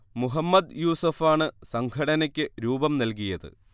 മുഹമ്മദ് യൂസഫാണ് സംഘടനയ്ക്ക് രൂപം നൽകിയത്